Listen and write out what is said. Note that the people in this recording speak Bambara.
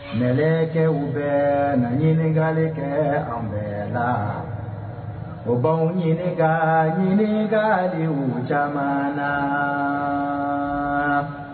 Mɛlɛɛkɛw bɛɛ na ɲininkakali kɛ anw bɛɛ la , o b'anw ɲininka ɲinikaliw caaman na.